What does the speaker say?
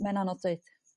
Mae'n anodd d'eud.